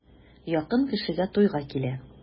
Якын кешегә туйга килә.